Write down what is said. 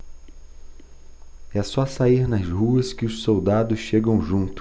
é só sair nas ruas que os soldados chegam junto